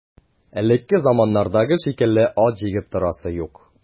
Элекке заманнардагы шикелле ат җигеп торасы юк.